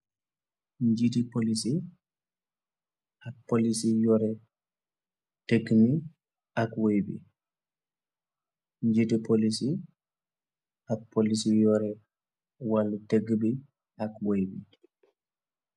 Nyetee police yee ak police su yoreh taega me ak woaye be, nyetee police yee ak police yu yoreh walum taega be ak woaye be.